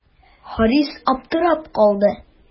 Харис аптырап калды.